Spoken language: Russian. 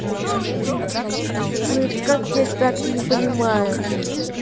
ну как я так не понимаю